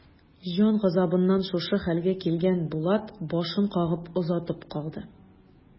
Җан газабыннан шушы хәлгә килгән Булат башын кагып озатып калды.